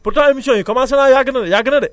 pourtant émission yi commencé naa yàgg na de yàgg na de